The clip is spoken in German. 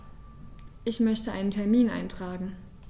Ich möchte einen Termin eintragen.